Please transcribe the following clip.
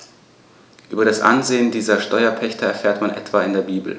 Über das Ansehen dieser Steuerpächter erfährt man etwa in der Bibel.